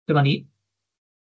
Dyma ni.